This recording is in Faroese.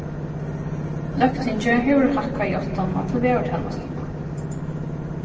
løgtingið hevur hækkað játtanina til veðurtænastuna